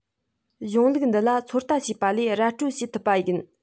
གཞུང ལུགས འདི ལ ཚོད ལྟ བྱས པ ལས ར སྤྲོད བྱེད ཐུབ པ ཡིན